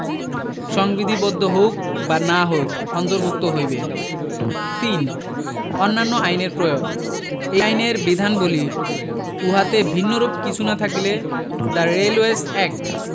সংবিধিবদ্ধ হউক বা না হউক অন্তর্ভুক্ত হইবে ৩ অন্যান্য আইনের প্রয়োগঃ এই আইনের বিধানবলী উহাতে ভিন্নরূপ কিছু না থাকিলে দ্যা রেইলওয়েস অ্যাক্ট